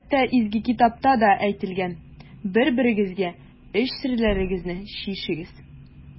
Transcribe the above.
Хәтта Изге китапта да әйтелгән: «Бер-берегезгә эч серләрегезне чишегез».